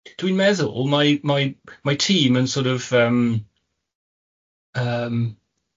Dwi'n meddwl mae mae mae tîm yn sor' of yym, yym